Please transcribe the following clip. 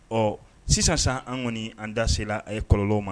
Ɔ sisan san an kɔni an dase a ye kɔlɔlɔw ma